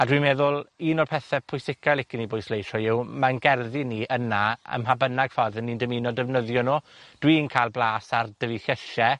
A dwi meddwl, un o'r pethae pwysica licen i bwysleisio yw mae'n gerddi ni yna ym mha bynnag ffordd 'yn ni'n dymuno defnyddio nw. Dwi'n cael blas ar dyfu llysie